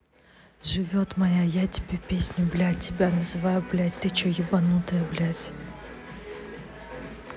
живет моя я тебе песню блядь тебя называю блядь ты че ебанутая блядь